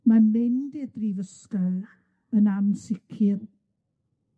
Ma'n mynd i'r brifysgol yn ansicir.